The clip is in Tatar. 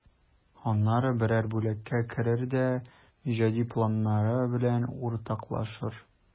Аннары берәр бүлеккә керер дә иҗади планнары белән уртаклашыр.